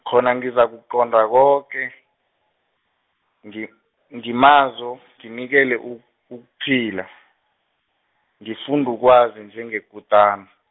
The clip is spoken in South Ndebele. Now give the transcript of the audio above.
khona ngizakuqonda koke, ngi- ngumazo nginikele uk- ukuphila, ngifundukwazi njengekutana.